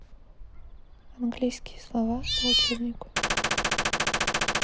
английские слова по учебнику